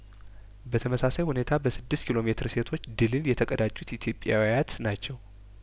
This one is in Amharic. በተመሳሳይ ሁኔታ በስድስት ኪሎ ሜትር ሴቶች ድልን የተቀዳጁት ኢትዮጵያዊያት ናቸው